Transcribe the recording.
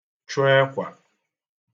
chụ ẹkwà